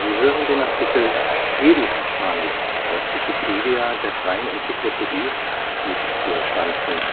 hören den Artikel Edelkastanie, aus Wikipedia, der freien Enzyklopädie. Mit dem Stand vom